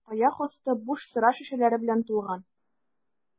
Аяк асты буш сыра шешәләре белән тулган.